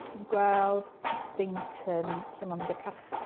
Ti 'di gweld Paddington lle mae o'n mynd i'r carchar?